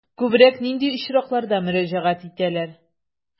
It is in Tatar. Күбрәк нинди очракларда мөрәҗәгать итәләр?